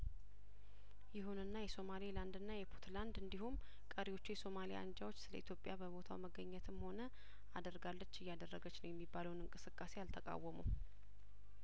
ይሁንና የሶማሌ ላንድና የፑትላንድ እንዲሁም ቀሪዎቹ የሶማሊያ አንጃዎች ስለኢትዮጵያ በቦታው መገኘትም ሆነ አድርጋለች እያደረገች ነው የሚባለውን እንቅስቃሴ አልተቃወሙም